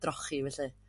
drochi felly.